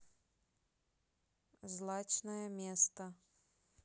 злачное место